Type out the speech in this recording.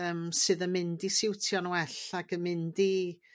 yym sydd yn mynd i siwtio'n well ag yn mynd i